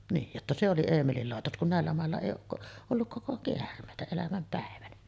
niin jotta se oli Eemelin laitos kun näillä mailla ei ole - ollut koko käärmeitä elämän päivänä